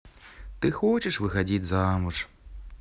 ты хочешь выходить замуж